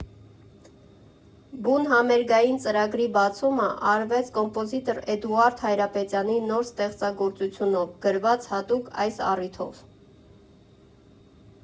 Բուն համերգային ծրագրի բացումը արվեց կոմպոզիտոր Էդուարդ Հայրապետյանի նոր ստեղծագործությունով՝ գրված հատուկ այս առիթով։